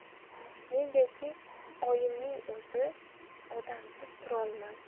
negaki oyimning o'zi odamsiz turolmas